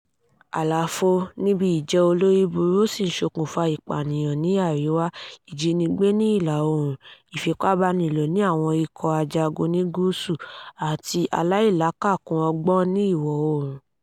Àlàfo níbi ìjẹ́ olórí burú ó sì ń ṣokùnfà ìpànìyàn ní àríwá, ìjínigbé ní ìlà-oòrùn, ìfipábánilò àwọn ikọ̀ ajagun ní Gúúsù Gúúsù àti àìlákàkún ọgbọ́n ní ìwọ̀ oòrùn.